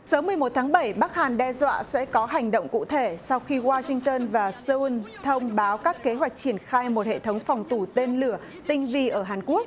sớm mười một tháng bảy bắc hàn đe dọa sẽ có hành động cụ thể sau khi goa sinh tơn và xơ un thông báo các kế hoạch triển khai một hệ thống phòng thủ tên lửa tinh vi ở hàn quốc